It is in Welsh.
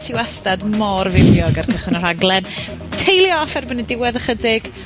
ti wastad mor fywiog ar cychwyn y rhaglen. Tailio off erbyn y y diwedd ychydig.